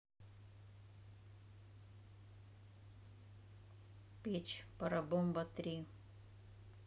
печь парабомба три